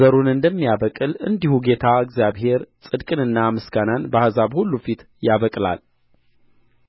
ዘሩን እንደሚያበቅል እንዲሁ ጌታ እግዚአብሔር ጽድቅንና ምስጋናን በአሕዛብ ሁሉ ፊት ያበቅላል